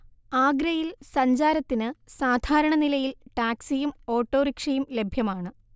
ആഗ്രയിൽ സഞ്ചാരത്തിന് സാധാരണ നിലയിൽ ടാക്സിയും ഓട്ടോറിക്ഷയും ലഭ്യമാണ്